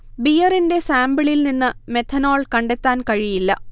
ബിയറിന്റെ സാമ്പിളിൽ നിന്ന് മെഥനൊൾ കണ്ടെത്താൻ കഴിയില്ല